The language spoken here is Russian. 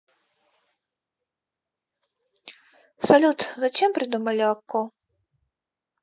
салют зачем придумали okko